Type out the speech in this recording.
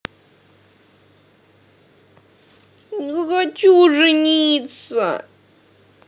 не хочу жениться